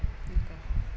d' accord